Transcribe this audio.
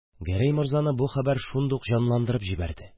Гәрәй морзаны бу хәбәр шундук җанландырып җибәрде.